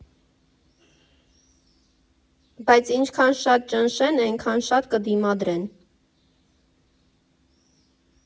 Բայց ինչքան շատ ճնշեն, էնքան շատ կդիմադրեն։